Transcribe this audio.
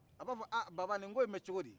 a b'a fɔ aa baba nin ko in bɛ cogo di